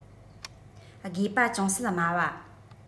དགོས པ ཅུང ཟད དམའ བ